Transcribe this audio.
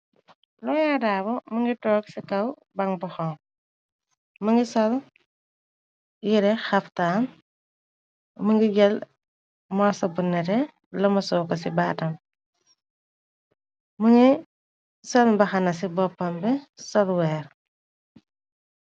Loyadaabo mu ngi toog ci kaw bang bu xonxu. Mun ngi sol yere xaftaan mun ngi jël morsa bu nete lomo soo ko ci baatam. Mu ngi sol mbaxana ci boppam bi sol weer.